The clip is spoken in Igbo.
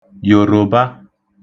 Yòroba